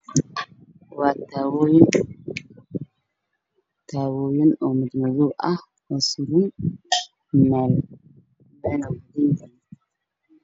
Waa taawooyin madow ah oo suran meel tukaan ah.